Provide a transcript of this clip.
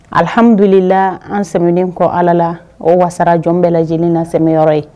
Alhamdulila an sɛmɛnen kɔ Ala laa o wasara jɔn bɛɛ lajɛlen na sɛmɛ yɔrɔ ye